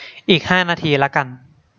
อีกห้านาทีละกัน